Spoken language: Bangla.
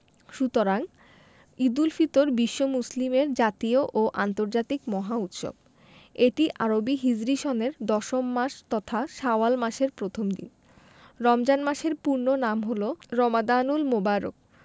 সুতরাং ঈদুল ফিতর বিশ্ব মুসলিমের জাতীয় ও আন্তর্জাতিক মহা উৎসব এটি আরবি হিজরি সনের দশম মাস তথা শাওয়াল মাসের প্রথম দিন রমজান মাসের পূর্ণ নাম হলো রমাদানুল মোবারক